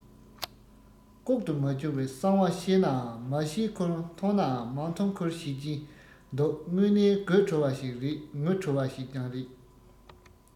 ལྐོག ཏུ མ གྱུར པའི གསང བ ཤེས ནའང མ ཤེས ཁུལ མཐོང ནའང མ མཐོང ཁུལ བྱེད ཀྱིན འདུག དངོས གནས དགོད བྲོ བ ཞིག རེད ངུ བྲོ བ ཞིག ཀྱང རེད